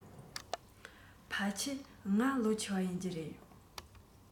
ཕལ ཆེར ང ལོ ཆེ བ ཡིན རྒྱུ རེད